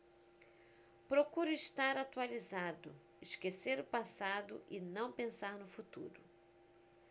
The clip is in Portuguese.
procuro estar atualizado esquecer o passado e não pensar no futuro